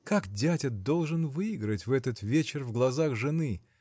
Как дядя должен выиграть в этот вечер в глазах жены!